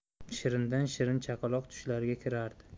shirindan shirin chaqaloq tushlariga kirardi